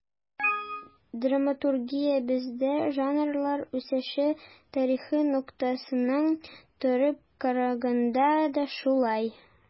Драматургиябездә жанрлар үсеше тарихы ноктасынан торып караганда да шулай.